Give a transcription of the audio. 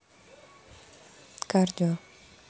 кардио